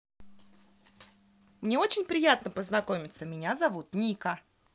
мне очень приятно познакомиться меня зовут ника